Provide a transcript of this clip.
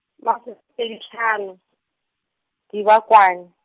masos- pedi hlano, Dibokwane.